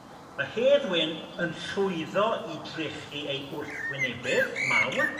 Ma' Hedd Wyn yn llwyddo i drechu ei wrthwynebydd mawr